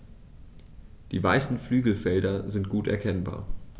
Die weißen Flügelfelder sind gut erkennbar.